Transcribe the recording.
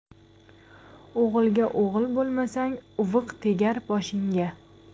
o'g'ilga o'g'il bo'lmasang uviq tegar boshingga